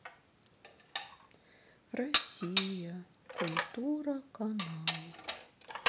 россия культура канал